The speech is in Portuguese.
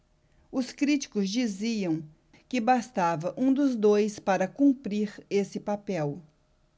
os críticos diziam que bastava um dos dois para cumprir esse papel